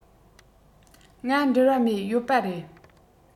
ང བྲེལ བ མེད ཡོད པ རེད